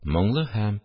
Моңлы һәм